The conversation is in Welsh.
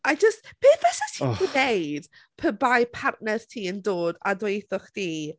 I just, beth fyse ti'n... ... gwneud pe bai partner ti yn dod a gweuthoch chdi...